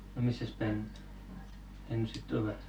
no missäspäin he nyt sitten ovat